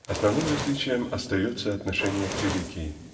основным различием остается отношение к религии.